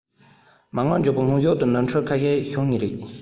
མ དངུལ འཇོག པའི སྔ གཞུག ཏུ ནོར འཁྲུལ ཁ ཤས ཤོར ངེས རེད